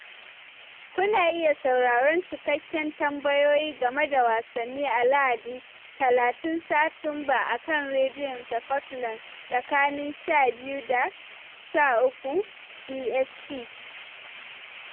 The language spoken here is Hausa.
Kuna iya sauraron cikakken tambayoyi game da Wasanni a Lahadi, 30 Satumba, a kan Radio Scotland tsakanin 12:00 da 13:00 BST